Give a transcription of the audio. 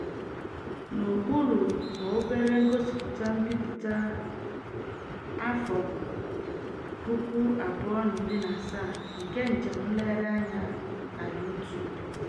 N'okpuru bụ obere ngosipụta mbipụta 2017 nke njem nlegharị anya na YouTube: